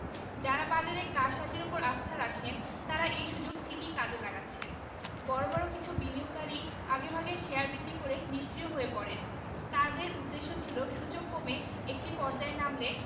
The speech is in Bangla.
যাঁরা বাজারের কারসাজির ওপর আস্থা রাখেন তাঁরা এই সুযোগ ঠিকই কাজে লাগাচ্ছেন বড় বড় কিছু বিনিয়োগকারী আগেভাগে শেয়ার বিক্রি করে নিষ্ক্রিয় হয়ে পড়েন তাঁদের উদ্দেশ্য ছিল সূচক কমে একটি পর্যায়ে নামলে